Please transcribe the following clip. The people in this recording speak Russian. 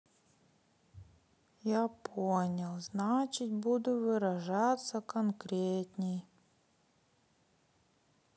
я понял значит буду выражаться конкретней